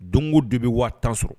Don o don i bɛ 10000 sɔrɔ.